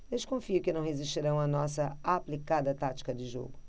desconfio que não resistirão à nossa aplicada tática de jogo